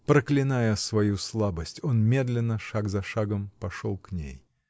Проклиная свою слабость, он медленно, шаг за шагом, пошел к ней.